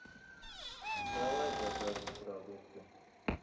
давай закажем продукты